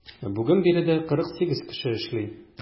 Бүген биредә 48 кеше эшли.